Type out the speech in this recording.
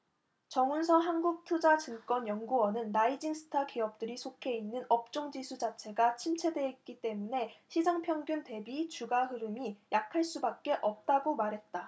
정훈석 한국투자증권 연구원은 라이징 스타 기업들이 속해 있는 업종지수 자체가 침체돼 있기 때문에 시장 평균 대비 주가 흐름이 약할 수밖에 없다고 말했다